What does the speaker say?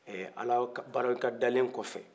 ɛɛ alah barikada le kɔ fɛ